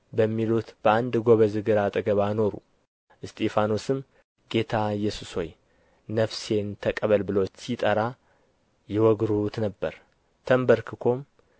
በሚሉት በአንድ ጎበዝ እግር አጠገብ አኖሩ እስጢፋኖስም ጌታ ኢየሱስ ሆይ ነፍሴን ተቀበል ብሎ ሲጠራ ይወግሩት ነበር ተንበርክኮም